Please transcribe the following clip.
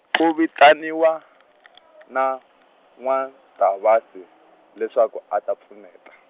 ku vitaniwa, na, N'wa-Ntavasi leswaku a ta pfuneta.